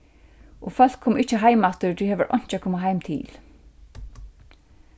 og fólk komu ikki heimaftur tí her var einki at koma heim til